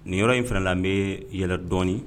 Nin yɔrɔ in fana la nbɛ yɛlɛ dɔɔnini.